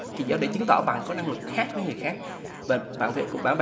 cái đó để chứng tỏ bạn có năng lực khác với người khác và bạn phải cũng bạn